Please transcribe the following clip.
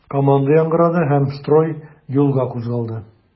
Команда яңгырады һәм строй юлга кузгалды.